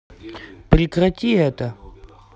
прекрати это